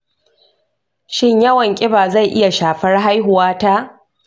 shin yawan kiba zai iya shafar haihuwa ta?